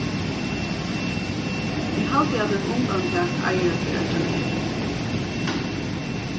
eg haldi at eitt undantak eigur at verða gjørt